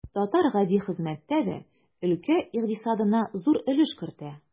Татар гади хезмәттә дә өлкә икътисадына зур өлеш кертә.